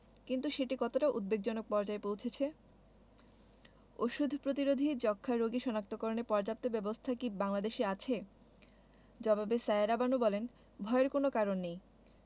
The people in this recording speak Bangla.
কিন্তু সেটি কতটা উদ্বেগজনক পর্যায়ে পৌঁছেছে ওষুধ প্রতিরোধী যক্ষ্মা রোগী শনাক্তকরণে পর্যাপ্ত ব্যবস্থা কি বাংলাদেশে আছে জবাবে সায়েরা বানু বলেন ভয়ের কোনো কারণ নেই